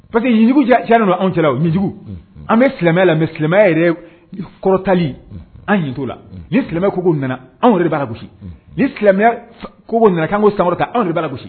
Pa quejugu ca anw cɛla ojugu an bɛ silamɛ silamɛya yɛrɛ kɔrɔtali an t'o la ni silamɛmɛ koko nana anw yɛrɛ b bara gosi ni silamɛya ko nana kanko sama ta anw de' gosi